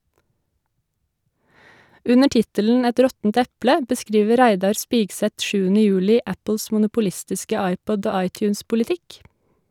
Under tittelen «Et råttent eple» beskriver Reidar Spigseth 7. juli Apples monopolistiske iPod- og iTunes-politikk.